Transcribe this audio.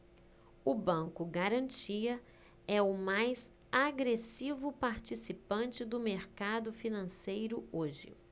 o banco garantia é o mais agressivo participante do mercado financeiro hoje